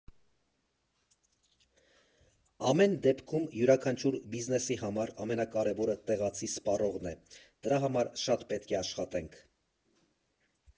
Ամեն դեպքում, յուրաքանչյուր բիզնեսի համար ամենակարևորը տեղացի սպառողն է, դրա համար շատ պետք է աշխատենք։